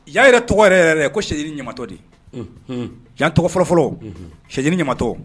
Ya yɛrɛ tɔgɔ yɛrɛ yɛrɛ ye ko sidi ɲamatɔ de jan tɔgɔ fɔlɔfɔlɔ sɛ ɲamatɔ